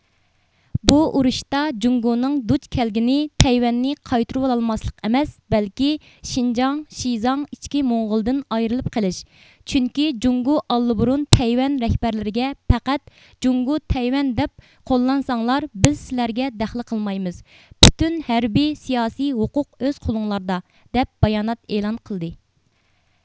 بۇ ئۇرۇشتا جۇڭگونىڭ دۇچ كەلگىنى تەيۋەننى قايتۇرۋالالماسلىق ئەمەس بەلكى شىنجاڭ شىزاڭ ئىچكى موڭغۇلدىن ئايرىلىپ قېلىش چۈنكى جۇڭگۇ ئاللىبۇرۇن تەيۋەن رەھبەرلىرىگە پەقەت جۇڭگۇ تەيۋەن دەپ قوللانساڭلار بىز سىلەرگە دەخلى قىلمايمىز پۈتۈن ھەربى سىياسى ھوقۇق ئۆز قولۇڭلاردا دەپ بايانات ئېلان قىلدى